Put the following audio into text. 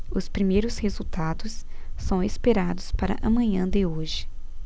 os primeiros resultados são esperados para a manhã de hoje